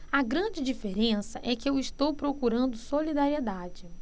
a grande diferença é que eu estou procurando solidariedade